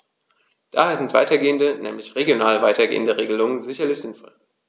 Daher sind weitergehende, nämlich regional weitergehende Regelungen sicherlich sinnvoll.